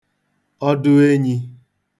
ọdụ enyī